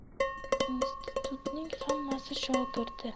institutning hammasi shogirdi